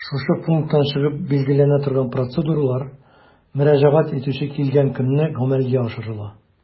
Шушы пункттан чыгып билгеләнә торган процедуралар мөрәҗәгать итүче килгән көнне гамәлгә ашырыла.